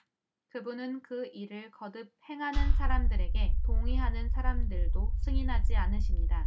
그분은 그 일을 거듭 행하는 사람들에게 동의하는 사람들도 승인하지 않으십니다